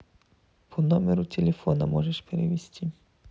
по номеру телефона можешь перевести